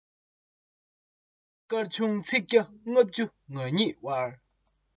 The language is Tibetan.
སྐར ཆུང ཚིག བརྒྱ ལྔ བཅུ ང གཉིས བར